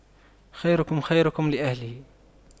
خيركم خيركم لأهله